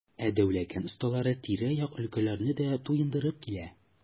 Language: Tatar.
Ә Дәүләкән осталары тирә-як өлкәләрне дә туендырып килә.